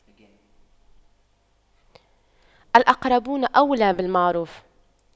الأقربون أولى بالمعروف